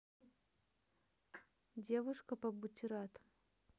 девушки под бутератом